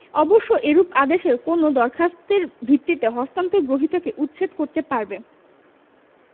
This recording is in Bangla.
অবশ্য এরূপ আদেশের কোনও দরখাস্তের ভিত্তিতে হস্তান্তর গ্রহীতাকে উচ্ছেদ করতে পারবে